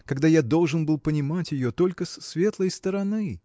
когда я должен был понимать ее только с светлой стороны.